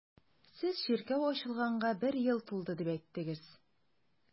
Сез чиркәү ачылганга бер ел тулды дип әйттегез.